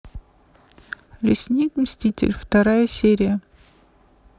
лесник мститель вторая серия